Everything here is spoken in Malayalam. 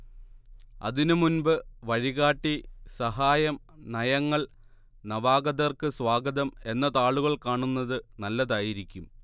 അതിനുമുൻപ് വഴികാട്ടി സഹായം നയങ്ങൾ നവാഗതർക്ക് സ്വാഗതം എന്ന താളുകൾ കാണുന്നത് നല്ലതായിരിക്കും